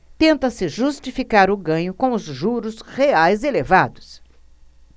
tenta-se justificar o ganho com os juros reais elevados